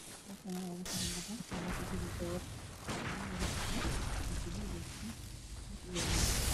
Halkan ku jiro dooro garkeedu yahay jikin guduud gaar